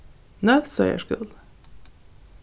nólsoyar skúli